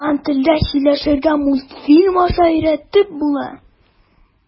Туган телдә сөйләшергә мультфильм аша өйрәтеп була.